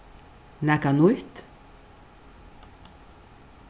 nakað nýtt